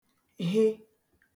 he